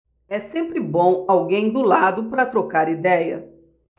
é sempre bom alguém do lado para trocar idéia